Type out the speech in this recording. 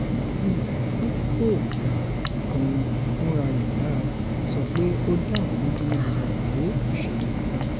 Kavanaugh, nínú ẹ̀rí tí kò ká òun fúnrarẹ̀ lára, sọ pé ó dá oùn lójú ní gbogbo ọ̀na pé kó ṣẹlẹ̀ rárá.